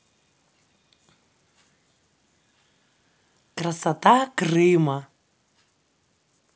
красота крыма